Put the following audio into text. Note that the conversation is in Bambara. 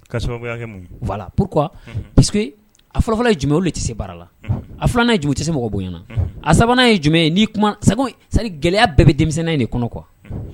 Afɔlɔ ye jumɛn olu tɛ se bara la a filanan ju tɛ se mɔgɔ boyana a sabanan ye jumi gɛlɛya bɛɛ bɛ denmisɛnnin in de kɔnɔ qu